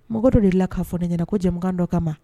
Mɔgɔ dɔ de la k'a fɔ nin ɲɛna ko jɛkan dɔ kama ma